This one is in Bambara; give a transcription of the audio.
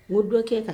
N o dɔ kɛ ka na